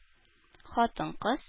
Хатын-кыз